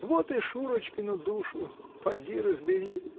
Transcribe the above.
Вот и Шурочкину душу -- поди разбери!